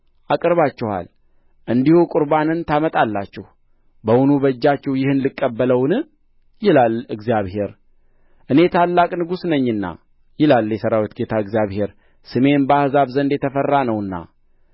አቅርባችኋል እንዲሁ ቍርባንን ታመጣላችሁ በውኑ ከእጃችሁ ይህን ልቀበለውን ይላል እግዚአብሔር እኔ ታላቅ ንጉሥ ነኝና ይላል የሠራዊት ጌታ እግዚአብሔር ስሜም በአሕዛብ ዘንድ የተፈራ ነውና